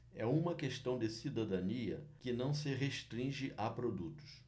é uma questão de cidadania que não se restringe a produtos